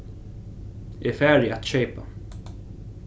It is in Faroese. eg fari at keypa